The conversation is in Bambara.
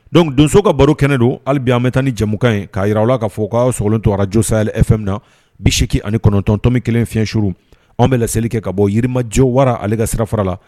Don donso ka baro kɛnɛ don halibi an bɛ tan ni jakan ye k'a jirara u la k kaa fɔ k ka sogolon toraj josa e min na biki anitɔntɔnmi kelen fiɲɛsururu an bɛ laeli kɛ ka bɔ yirima jo wara ale ka sira fara la